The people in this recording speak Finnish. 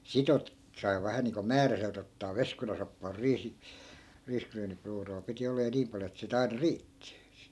sitten - sai vähän niin kuin määräiseltä ottaa veskunasoppaa - riisiryynipuuroa piti olla ja niin paljon että sitä aina riitti